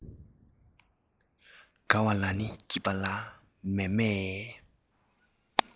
དགའ བ ལ ནི སྐྱིད པ ལ མཱེ མཱེ